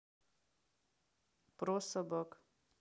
про собак